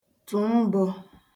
tụ̀ mbọ̄